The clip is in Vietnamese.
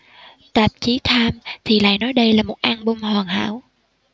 tạp chí time thì lại nói đây là một album hoàn hảo